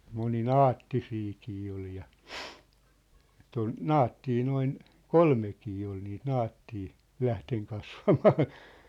moninaattisiakin oli ja että on naatteja noin kolmekin oli niitä naatteja lähtenyt kasvamaan